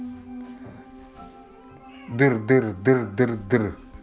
дыр дыр дыр дыр дыр